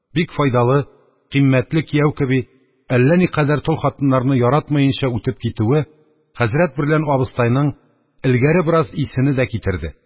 Бик файдалы, кыйммәтле кияү кеби, әллә никадәр тол хатыннарны яратмаенча үтеп китүе хәзрәт берлән абыстайның элгәре бераз исене дә китәрде.